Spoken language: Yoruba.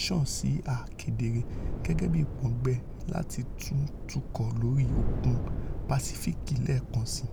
sàn sì hàn kedere - gẹ́gẹ́bí ìpòǹgbẹ láti tún tukọ̀ lórí òkun Pasífíìkì lẹ́ẹ̀kan síi.